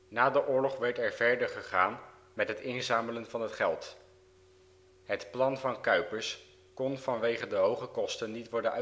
Na de oorlog werd er verder gegaan met het inzamelen van het geld. Het plan van Cuypers kon vanwege de hoge kosten niet worden